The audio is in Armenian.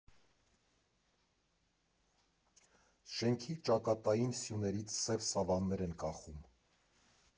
Շենքի ճակատային սյուներից սև սավաններ են կախում։